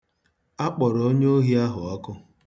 A kpọrọ onyeohi ahụ ọkụ.